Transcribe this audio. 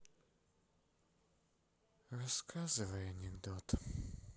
рассказывай анекдот